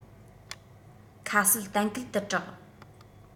ཁ གསལ གཏན འཁེལ ཏུ གྲགས